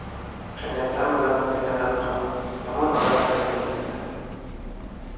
qaynatam bilan qaynanam ham yomon odamlar emas edi